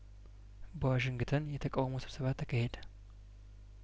በዋሽንግተን የተቃውሞ ስብሰባ ተካሄደ